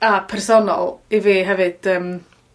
A personol i fi hefyd yym.